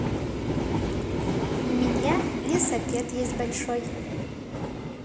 меня лисапед есть большой